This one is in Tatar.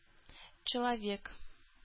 Человек